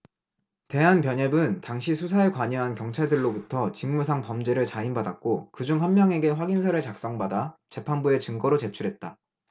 대한변협은 당시 수사에 관여한 경찰들로부터 직무상범죄를 자인받았고 그 중 한 명에게 확인서를 작성받아 재판부에 증거로 제출했다